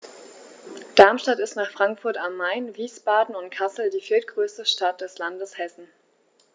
Darmstadt ist nach Frankfurt am Main, Wiesbaden und Kassel die viertgrößte Stadt des Landes Hessen